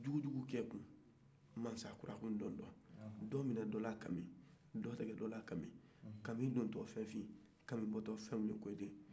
juju kɛ kun masa kura kun dɔndɔn dɔ minɛ dɔ la kami dɔ tigɛ dɔ la kami kami dontɔ fɛn fɛn kami bɔtɔ fɛn wulen